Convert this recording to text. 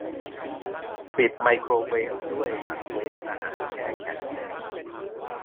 ปิดไมโครเวฟด้วยหลังเวฟอาหารแช่แข่งเสร็จ